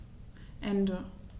Ende.